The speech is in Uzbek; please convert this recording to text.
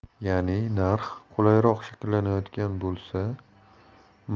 ya'ni narx qulayroq shakllanayotgan bo'lsa